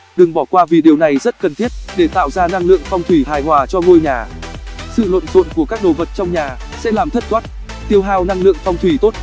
đừng bỏ qua vì điều này rất cần thiết để tạo ra năng lượng phong thủy hài hòa cho ngôi nhà sự lộn xộn của các đồ vật trong nhà sẽ làm thất thoát tiêu hao năng lượng phong thủy tốt